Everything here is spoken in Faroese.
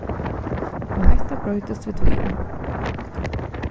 og hetta broytist við tíðini